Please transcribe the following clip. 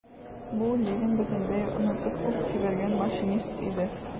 Бу - Левин бөтенләй онытып ук җибәргән машинист иде.